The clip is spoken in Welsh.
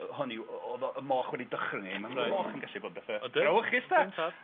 Yy hynny yw o- o'dd y y moch wedi dychryn 'i ma'... Reit. ...ma' moch yn gallu bod bethe Brawychus de? Ydyn tad!